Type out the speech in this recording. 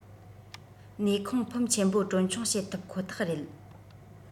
ནུས ཁུངས ཕོན ཆེན པོ གྲོན ཆུང བྱེད ཐུབ ཁོ ཐག རེད